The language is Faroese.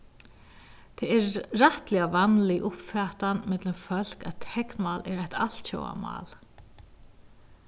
tað er rættiliga vanlig uppfatan millum fólk at teknmál er eitt altjóða mál